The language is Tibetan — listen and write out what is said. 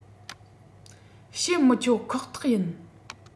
བྱེད མི ཆོག ཁོ ཐག ཡིན